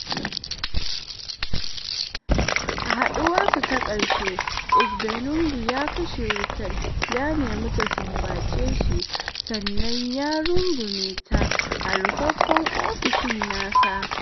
A haɗuwarsu ta ƙarshe, Igbenegbu ya kashe wutar, ya nemi ta sumbace shi sannan ya rungume ta a rufaffen ofishin nasa.